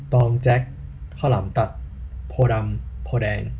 ตองแจ็คข้าวหลามตัดโพธิ์ดำโพธิ์แดง